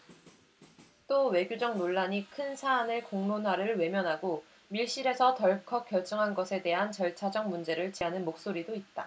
또 외교적 논란이 큰 사안을 공론화를 외면하고 밀실에서 덜컥 결정한 것에 대한 절차적 문제를 제기하는 목소리도 있다